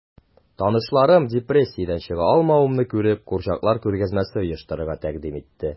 Танышларым, депрессиядән чыга алмавымны күреп, курчаклар күргәзмәсе оештырырга тәкъдим итте...